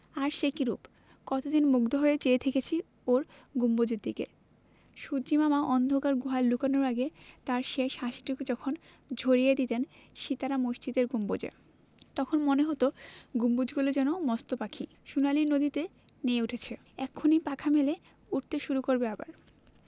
আর সে কি রুপ কতদিন মুগ্ধ হয়ে চেয়ে থেকেছি ওর গম্বুজের দিকে সূর্য্যিমামা অন্ধকার গুহায় লুকানোর আগে তাঁর শেষ হাসিটুকু যখন ঝরিয়ে দিতেন সিতারা মসজিদের গম্বুজে তখন মনে হতো গম্বুজগুলো যেন মস্ত পাখি সোনালি নদীতে নেয়ে উঠেছে এক্ষুনি পাখা মেলে উড়তে শুরু করবে আবার